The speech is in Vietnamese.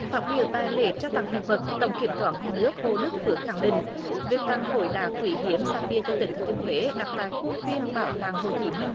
phát biểu tại lễ trao tặng hiện vật tổng kiểm toán nhà nước hồ đức phước khẳng định việc tăng khối đá quý hiếm sa phia cho tỉnh thừa thiên huế đặt tại khuôn viên bảo tàng hồ chí minh